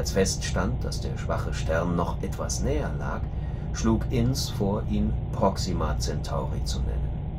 feststand, dass der schwache Stern noch etwas näher lag, schlug Innes vor, ihn Proxima Centauri zu nennen